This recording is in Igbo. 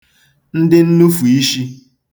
ndị nnufùishī